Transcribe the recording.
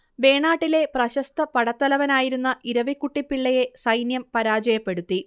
വേണാട്ടിലെ പ്രശസ്ത പടത്തലവനായിരുന്ന ഇരവിക്കുട്ടിപ്പിള്ളയെ സൈന്യം പരാജയപ്പെടുത്തി